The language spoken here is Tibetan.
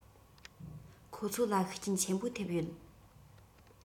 ཁོ ཚོ ལ ཤུགས རྐྱེན ཆེན པོ ཐེབས ཡོད